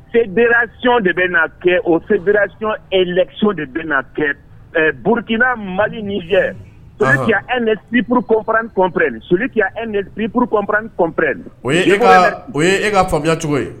Fédération de bɛna kɛ o fédération élection de bɛna kɛ Burukina Mali Nizɛri, celui qui a un esprit pour comprendre comprenne, celui qui a un esprit pour comprendre comprenne o ye e ka o ye e ka faamuya cogo ye